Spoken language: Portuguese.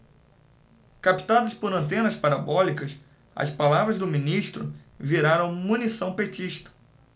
captadas por antenas parabólicas as palavras do ministro viraram munição petista